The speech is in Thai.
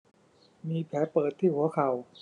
มีแผลเปิดที่หัวเข่า